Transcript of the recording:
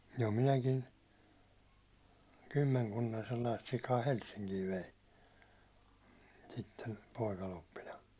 jo minäkin kymmenkunnan sellaista sikaa Helsinkiin vein sitten poikaloppina